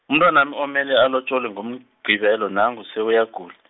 umntwanami omele alotjolwe ngoMgqibelo nangu sewuyagul-.